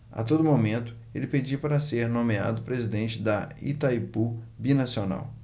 a todo momento ele pedia para ser nomeado presidente de itaipu binacional